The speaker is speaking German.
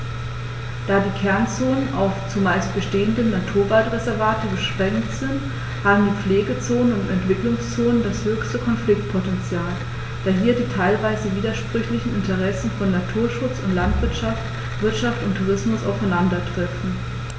Da die Kernzonen auf – zumeist bestehende – Naturwaldreservate beschränkt sind, haben die Pflegezonen und Entwicklungszonen das höchste Konfliktpotential, da hier die teilweise widersprüchlichen Interessen von Naturschutz und Landwirtschaft, Wirtschaft und Tourismus aufeinandertreffen.